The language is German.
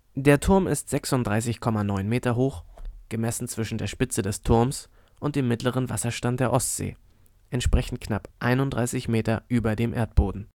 Der Turm ist 36,90 m hoch, gemessen zwischen der Spitze des Turms und dem mittleren Wasserstand der Ostsee, entsprechend knapp 31 m über dem Erdboden